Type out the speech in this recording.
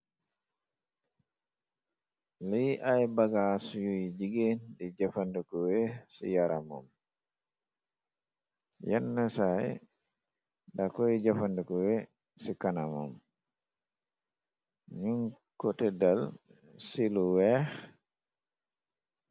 Li ay bagaas yuy jigeen di jafandiko we ci yaramoom yenn saay da koy jëfandikuwe ci kanamoom ñuñ kotedal ci lu weex.